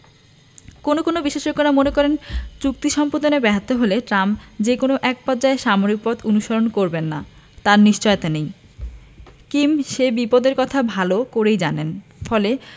কোনো কোনো বিশেষজ্ঞেরা মনে করেন চুক্তি সম্পাদনে ব্যর্থ হলে ট্রাম্প যে কোনো একপর্যায়ে সামরিক পথ অনুসরণ করবেন না তার নিশ্চয়তা নেই কিম সে বিপদের কথা ভালো করেই জানেন ফলে